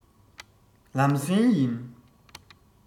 ལམ སེང ཡིན